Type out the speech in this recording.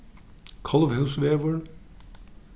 kálvhúsvegur